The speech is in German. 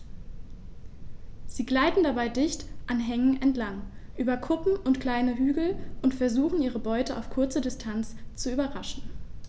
Sie gleiten dabei dicht an Hängen entlang, über Kuppen und kleine Hügel und versuchen ihre Beute auf kurze Distanz zu überraschen.